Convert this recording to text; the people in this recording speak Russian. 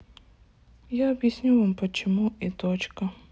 я объясню вам почему и точка